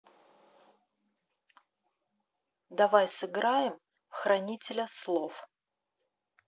давай сыграем в хранителя слов